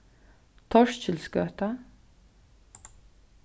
torkilsgøta